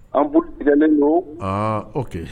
An bolo bɛn ne don a o kɛ